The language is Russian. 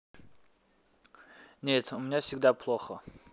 нет у меня всегда плохо